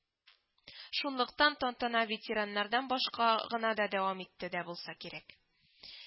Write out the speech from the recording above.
Шунлыктан тантана ветераннардан башка гына дәвам итте дә булса кирәк